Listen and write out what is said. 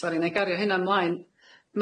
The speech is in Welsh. Yym sori nâi gario hynna mlaen.